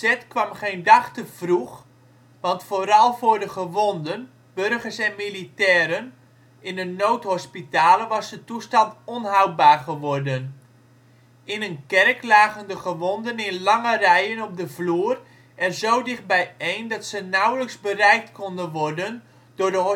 Het ontzet kwam geen dag te vroeg, want vooral voor de gewonden (burgers en militairen) in de noodhospitalen was de toestand onhoudbaar geworden. In een kerk lagen de gewonden in lange rijen op de vloer en zo dicht bijeen, dat ze nauwelijks bereikt konden worden door de